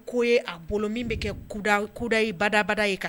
Ko ye a bolo min bɛ kuda kudayi badabada ye ka